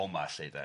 O 'ma, 'lly 'de.